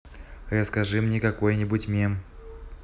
расскажи мне какой нибудь мем